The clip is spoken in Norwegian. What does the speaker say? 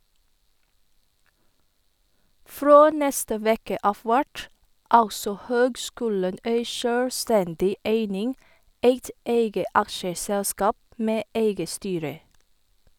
Frå neste veke av vert altså høgskulen ei sjølvstendig eining, eit eige aksjeselskap med eige styre.